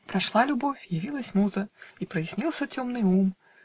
Прошла любовь, явилась муза, И прояснился темный ум.